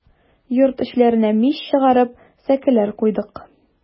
Йорт эчләренә мич чыгарып, сәкеләр куйдык.